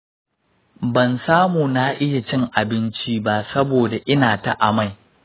ban samu na iya cin abinci ba saboda ina ta amai